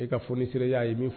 E ka folioni sira y'a ye